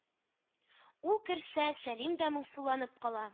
Ул керсә, Сәлим дә моңсуланып кала.